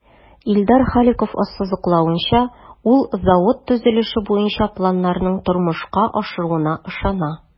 Илдар Халиков ассызыклавынча, ул завод төзелеше буенча планнарның тормышка ашуына ышана.